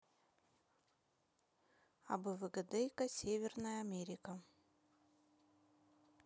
абвгдейка северная америка